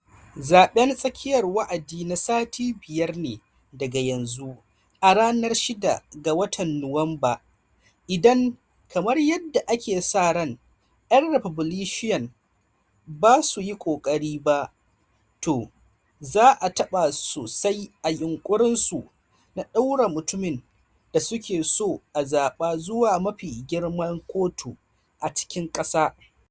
zaben tsakiyar wa’adi na sati biyar ne daga yanzu, a ranar 6 ga watan Nuwamba - idan, kamar yadda ake sa ran, 'yan Republican ba su yi kokari ba, to, za a taba su sosai a yunkurin su na daura mutumin da suke so a zaba zuwa mafi girman kotu a cikin kasa.